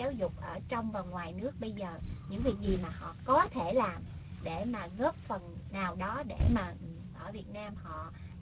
giáo dục ở trong và ngoài nước bây giờ những việc gì mà họ có thể làm để mà góp phần nào đó để mà ở việt nam họ